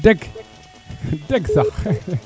deg deg sax